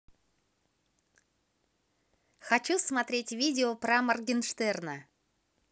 хочу смотреть видео про моргенштерна